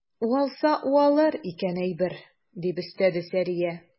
Уалса уалыр икән әйбер, - дип өстәде Сәрия.